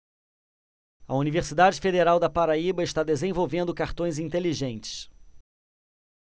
a universidade federal da paraíba está desenvolvendo cartões inteligentes